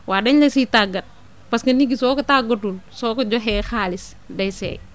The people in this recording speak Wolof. waaw dañ la siy tàggat parce que nit ki soo ko tàggatul soo ko joxee xaalis day seey